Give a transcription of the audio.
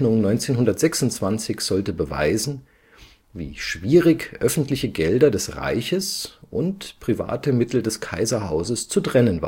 1926 sollte beweisen, wie schwierig öffentliche Gelder des Reiches und private Mittel des Kaiserhauses zu trennen